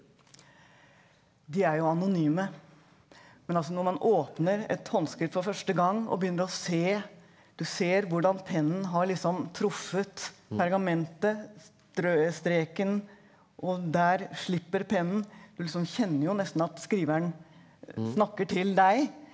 de er jo anonyme, men altså når man åpner et håndskrift for første gang og begynner å se du ser hvordan pennen har liksom truffet pergamentet streken og der slipper pennen du liksom kjenner jo nesten at skriveren snakker til deg.